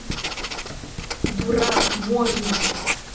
дурак можно